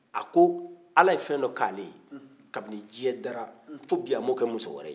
ko ala ye fɛ dɔ k'ale ye kabini diɲɛ danna fo bi a m'o kɛ mɔgɔwɛrɛ ye